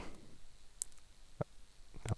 Ja.